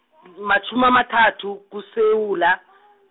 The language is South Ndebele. matjhumi amathathu kuSewula .